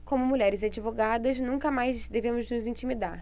como mulheres e advogadas nunca mais devemos nos intimidar